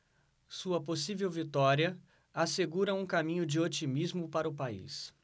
sua possível vitória assegura um caminho de otimismo para o país